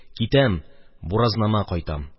Китәм, буразнама кайтам.